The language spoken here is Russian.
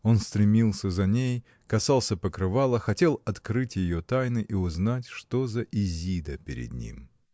он стремился за ней, касался покрывала, хотел открыть ее тайны и узнать, что за Изида перед ним.